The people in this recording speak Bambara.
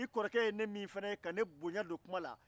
e ye ne min y'i kɔrɔkɛ ye bonya don kuma